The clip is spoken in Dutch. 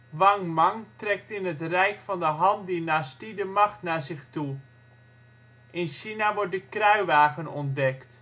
Wang Mang trekt in het rijk van de Han-dynastie de macht naar zich toe. In China wordt de kruiwagen ontdekt